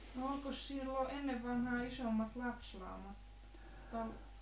no olikos sille ennen vanhaan isommat lapsilaumat -